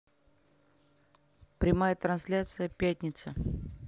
прямая трансляция пятница